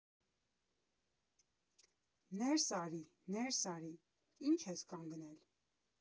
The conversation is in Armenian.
Ներս արի, ներս արի, ի՞նչ ես կանգնել…